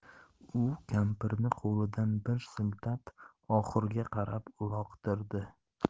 u kampirni qo'lidan bir siltab oxurga qarab uloqtirdi